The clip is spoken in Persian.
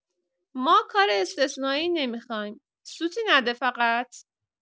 ما کار استثنایی نمی‌خوایم، سوتی نده فقط!